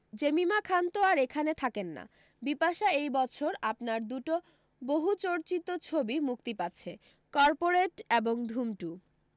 Jemimah Khan তো আর এখানে থাকেন না বিপাশা এই বছর আপনার দুটো বহুচর্চিত ছবি মুক্তি পাচ্ছে কর্পোরেট এবং ধুম টু